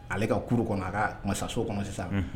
Ale ka court kɔnɔ a kaa masaso kɔnɔ sisan unhun